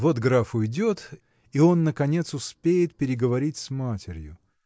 вот граф уйдет, и он наконец успеет переговорить с матерью.